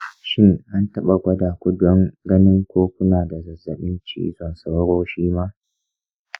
shin an taɓa gwada ku don ganin ko kuna da zazzabin cizon sauro shi ma?